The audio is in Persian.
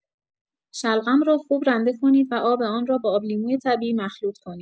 شلغم را خوب رنده کنید و آب آن را با آبلیمو طبیعی مخلوط کنید